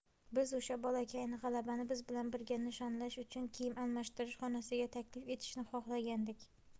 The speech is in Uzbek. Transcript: biz o'sha bolakayni g'alabani biz bilan birga nishonlash uchun kiyim almashtirish xonasiga taklif etishni xohlagandik